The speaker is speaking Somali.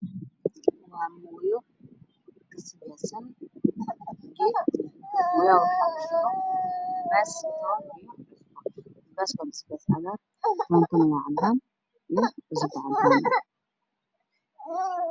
Waa mooyo waxaa ku jira basbaas cagaar iyo toban cadaan dhulka ayuu yaalaa